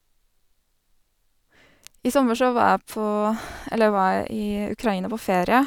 I sommer så var jeg på eller var jeg i Ukraina på ferie.